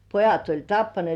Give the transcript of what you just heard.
pojat oli tappaneet